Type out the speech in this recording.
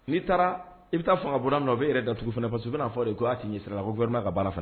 N'i taara i bɛ taa fɔ a bɔ min o bɛ e yɛrɛ da tugun fana fɛ so bɛna'a fɔ de ko'a'i la ko balimama ka baara fɛ